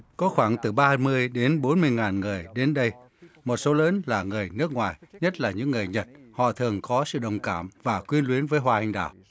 có khoảng từ ba mươi đến bốn mươi ngàn người đến đây một số lớn là người nước ngoài nhất là những người nhật họ thường có sự đồng cảm và quyến luyến với hoa anh đào